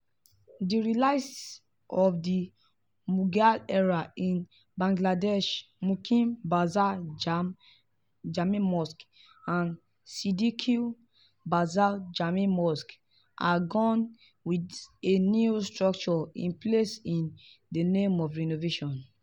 The relics of the Mughal era in Bangshal Mukim Bazar Jam-e Mosque and Siddique Bazar Jam-e Mosque are gone with a new structure in place in the name of renovation.